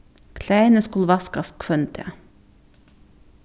klæðini skulu vaskast hvønn dag